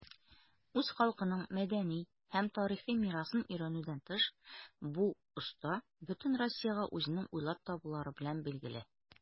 Үз халкының мәдәни һәм тарихи мирасын өйрәнүдән тыш, бу оста бөтен Россиягә үзенең уйлап табулары белән билгеле.